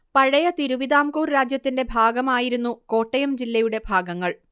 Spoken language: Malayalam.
പഴയ തിരുവിതാംകൂർ രാജ്യത്തിന്റെ ഭാഗമായിരുന്നു കോട്ടയം ജില്ലയുടെ ഭാഗങ്ങൾ